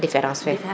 difference fe